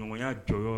Ɲɔgɔnya jɔ yɔrɔ